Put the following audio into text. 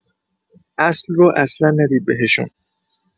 اصل رو اصلا ندید بهشون